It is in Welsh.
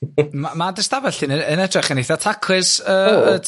ma' dy 'stafell di yn yn edrych yn eitha' taclus